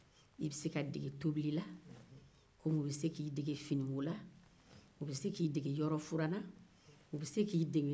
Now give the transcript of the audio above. i bɛ se ka dege tobili la komi i bɛ se k'i dege finiko la u be se k'i dege yɔrɔ furan na u bɛ se k'i dege